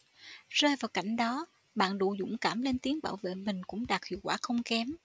rơi vào cảnh đó bạn đủ dũng cảm lên tiếng bảo vệ mình cũng đạt hiệu quả không kém